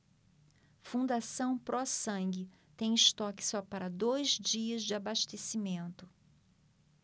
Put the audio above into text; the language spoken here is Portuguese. fundação pró sangue tem estoque só para dois dias de abastecimento